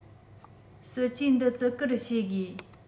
སྲིད ཇུས འདི བརྩི བཀུར བྱེད དགོས